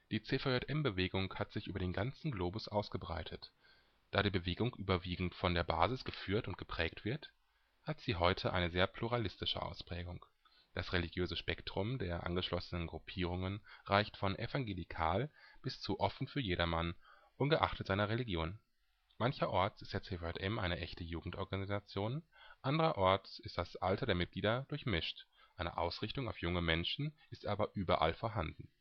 Die CVJM-Bewegung hat sich über den ganzen Globus ausgebreitet. Da die Bewegung überwiegend von der Basis geführt und geprägt wird, hat sie heute eine sehr pluralistische Ausprägung. Das religiöse Spektrum der angeschlossenen Gruppierungen reicht von evangelikal bis zu offen für jedermann ungeachtet seiner Religion. Mancherorts ist der CVJM eine echte Jugendorganisation, andernorts ist das Alter der Mitglieder durchmischt – eine Ausrichtung auf junge Menschen ist aber überall vorhanden